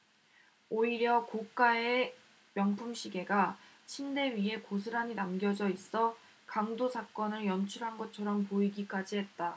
오히려 고가의 명품시계가 침대 위에 고스란히 남겨져 있어 강도 사건을 연출한 것처럼 보이기까지 했다